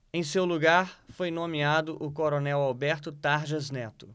em seu lugar foi nomeado o coronel alberto tarjas neto